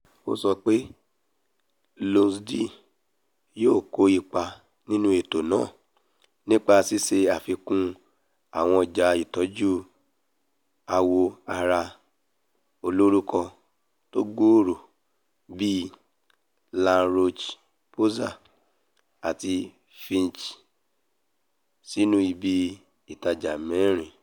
Ó sọ pé Lloyds yóò kó ipa nínú ètò náà, nípa ṣíṣe àfikún àwọn ọjà itọju awọ ara olorúkọ tógbòòrò bíi La Roch-Posay àti Vichy sínú ibi ìtajà mẹ́rin.